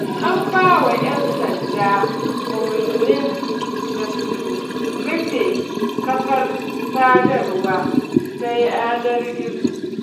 An ba wa 'yan sanda umarnin da su rufe kafar sadarwa ta yanar gizon.